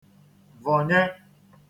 vọ̀nye